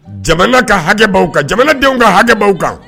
Jamana ka hakɛ b'aw kan jamanadenw ka hakɛ b'aw kan